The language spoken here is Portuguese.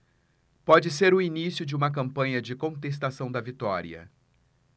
pode ser o início de uma campanha de contestação da vitória